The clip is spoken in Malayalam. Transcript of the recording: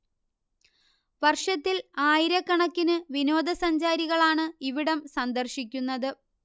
വർഷത്തിൽ ആയിരക്കണക്കിനു വിനോദസഞ്ചാരികളാണ് ഇവിടം സന്ദർശിക്കുന്നത്